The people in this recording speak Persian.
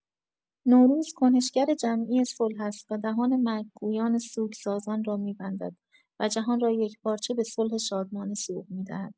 نوروز کنشگر جمعی صلح است و دهان مرگ گویان سوگ سازان را می‌بندد و جهان را یکپارچه به صلح شادمانه سوق می‌دهد.